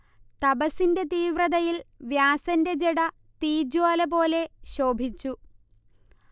തപസ്സിന്റെ തീവ്രതയിൽ വ്യാസന്റെ ജട തീജ്വാലപോലെ ശോഭിച്ചു